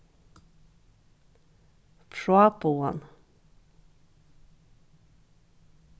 fráboðan